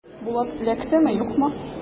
Булат эләктеме, юкмы?